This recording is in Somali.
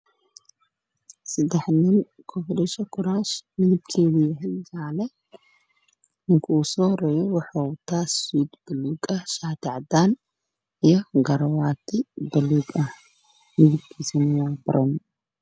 Meeshaan waxaa ka muuqdo sadax nin oo ku fadhiyo kuraas